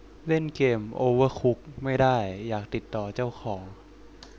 เล่นเกมโอเวอร์คุกไม่ได้อยากติดต่อเจ้าของ